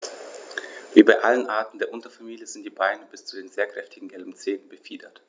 Wie bei allen Arten der Unterfamilie sind die Beine bis zu den sehr kräftigen gelben Zehen befiedert.